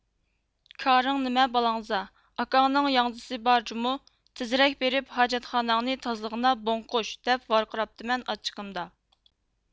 كارىڭ نېمە بالاڭزا ئاكاڭنىڭ ياڭزىسى بار جۇمۇ تېزرەك بېرىپ ھاجەتخانەڭنى تازىلىغىنا بوڭقۇش دەپ ۋارقىراپتىمەن ئاچچىقىمدا